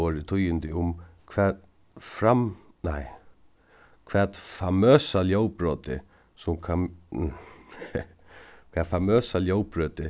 borið tíðindi um hvat nei hvat famøsa ljóðbrotið sum hvat famøsa ljóðbrotið